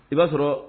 I b'a sɔrɔ